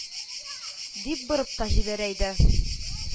Дип борып та җибәрә иде